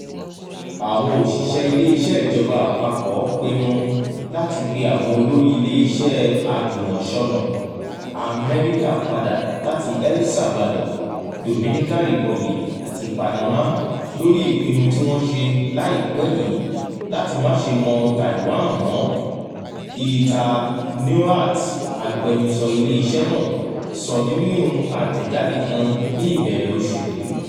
Àwọn òṣìṣẹ́ Ilé Iṣẹ́ Ìjọba Àpapọ̀ pinnu láti pe àwọn olórí ilé iṣẹ́ àjùmọ̀sọ́nà Amẹ́ríkà padà láti El Salvador, Dominican Republic àti Panama lórí "ìpinnu tí wọ́n ṣe láìpẹ́ yìí láti má ṣe mọ Taiwan mọ́", Heather Nauert, agbẹnusọ ilé iṣẹ́ náà, sọ nínú àtẹ̀jáde kan ní ìbẹ̀rẹ̀ oṣù yìí.